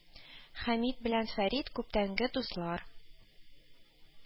Хәмит белән Фәрит күптәнге дуслар